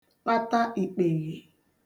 kpata ìkpèghè